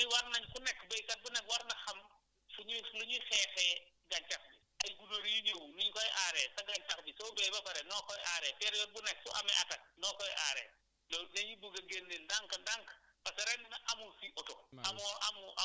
léegi fu mu toll nii war nañ ku nekk béykat bu nekk war na xam suñuy lu ñuy xeexee gàncax bi ay gunóor yuy ñëw nuñ koy aaree sa gàncax bi soo béyee ba pare noo koy aaree période bu ne su amee attaque noo koy aaree loolu dañuy bëgg a génneel ndànk-ndànk parce que ren amul fii oto